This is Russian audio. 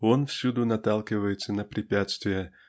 он всюду наталкивается на препятствия